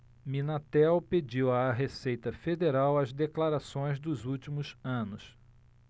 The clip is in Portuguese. minatel pediu à receita federal as declarações dos últimos anos